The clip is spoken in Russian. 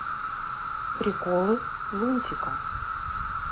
приколы лунтика